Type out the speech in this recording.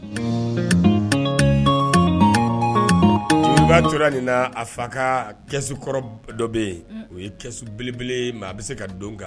N ba tora nin na a fa ka kɛsu kɔrɔ dɔ bɛ yen, o ye kɛsu belebele ye maa a bɛ se ka don ka